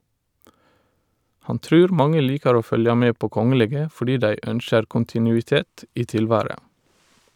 Han trur mange likar å følgja med på kongelege fordi dei ønskjer kontinuitet i tilværet.